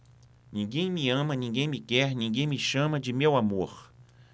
ninguém me ama ninguém me quer ninguém me chama de meu amor